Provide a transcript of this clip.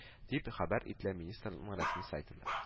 Дип хәбәр ителә министрлыкның рәсми сайтында